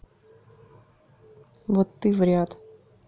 вот ты вряд